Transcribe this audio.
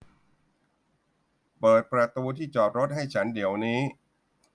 เปิดประตูที่จอดรถให้ฉันเดี๋ยวนี้